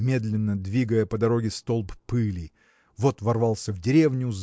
медленно двигая по дороге столб пыли вот ворвался в деревню